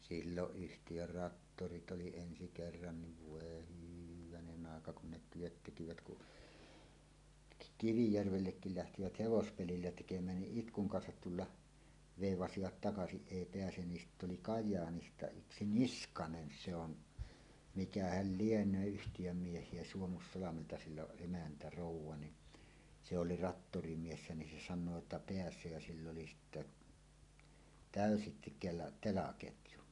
silloin yhtiön traktorit oli ensi kerran niin voi hyvänen aika kun ne työt tekivät kun Kivijärvellekin lähtivät hevospelillä tekemään niin itkun kanssa tulla veivasivat - takaisin ei pääse niin sitten oli Kajaanista yksi Niskanen se on mikähän lienee yhtiön miehiä Suomussalmelta sillä on emäntä rouva niin se oli traktorimies niin se sanoo että pääsee ja sillä oli sitten täysi kela telaketju